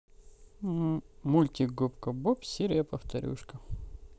мультик губка боб серия повторюшка